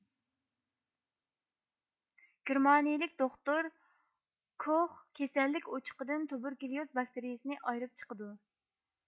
گېرمانىيىلىك دوختۇر كوخ كېسەللىك ئوچىقىدىن تۇبېركۇليۇز باكتىرىيىسىنى ئايرىپ چىقىدۇ